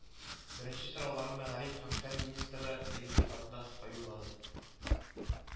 Беренче сорауларны мәгариф һәм фән министры Энгел Фәттаховка юлладык